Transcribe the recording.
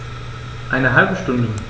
Eine halbe Stunde